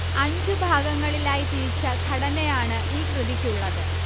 അഞ്ചു ഭാഗങ്ങളായി തിരിച്ച ഘടനയാണ് ഈ കൃതിക്കുള്ളത്